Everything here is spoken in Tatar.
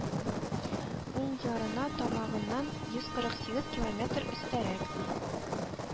Уң ярына тамагыннан йөз кырык сигез километр өстәрәк